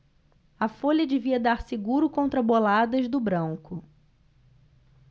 a folha devia dar seguro contra boladas do branco